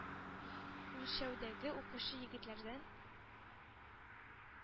Үлчәүдәге укучы егетләрдән,